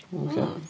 Oce...